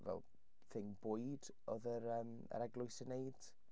Fel thing bwyd oedd yr yym yr eglwys yym yn wneud.